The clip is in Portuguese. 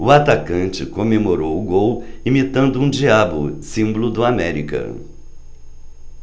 o atacante comemorou o gol imitando um diabo símbolo do américa